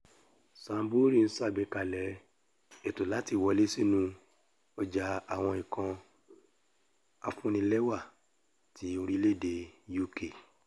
Sainsbury's ńṣàgbékalẹ̀ ètò láti wọlé sínú ọjà àwọn nǹkan afúnnilẹ́wà ti orílẹ̀-èdè UK